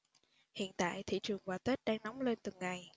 hiện tại thị trường quà tết đang nóng lên từng ngày